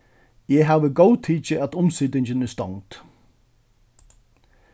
eg havi góðtikið at umsitingin er stongd